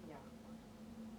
Jaakkonen